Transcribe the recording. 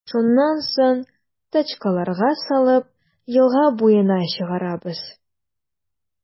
Шуннан соң, тачкаларга салып, елга буена чыгарабыз.